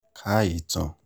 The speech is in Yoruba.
Ka Ìtàna